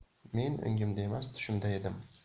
men o'ngimda emas tushimda edim